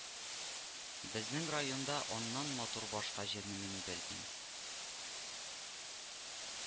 Безнең районда аннан матур башка җирне мин белмим